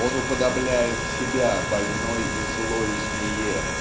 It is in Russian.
Он уподобляет себя больной и злой змее